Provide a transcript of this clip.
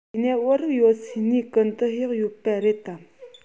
དེ ན བོད རིགས ཡོད སའི གནས ཀུན ཏུ གཡག ཡོད པ རེད དམ